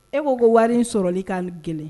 E k'o ko wari in sɔrɔli k' kelen